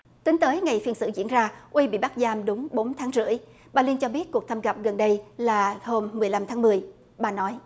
tính tới ngày phiên xử diễn ra uy bị bắt giam đúng bốn tháng rưỡi bà liên cho biết cuộc thăm dò gần đây là hôm mười lăm tháng mười bà nói